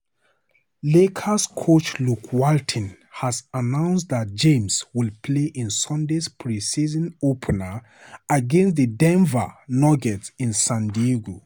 Lakers coach Luke Walton has announced that James will play in Sunday's preseason opener against the Denver Nuggets in San Diego.